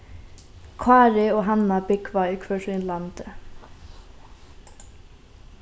kári og hanna búgva í hvør sínum landi